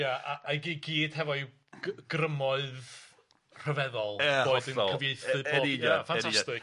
Ia a- a'i gy- gyd hefo'u g- grymoedd rhyfeddol... Ia hollol. ...boi sy'n cyfieithu pob ffantastig.